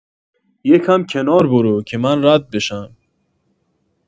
یه کم کنار برو که من رد بشم